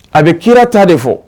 A bɛ kira ta de fɔ